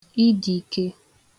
idìike